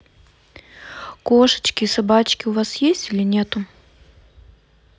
кошечки и собачки у вас есть или нету